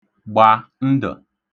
gbà ndə̣